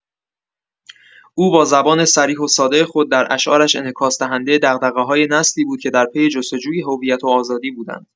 او با زبان صریح و ساده خود، در اشعارش انعکاس‌دهنده دغدغه‌های نسلی بود که در پی جست‌وجوی هویت و آزادی بودند.